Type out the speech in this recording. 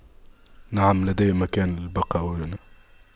نعم لدي مكان للبقاء هنا